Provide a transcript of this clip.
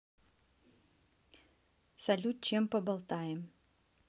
салют чем поболтаем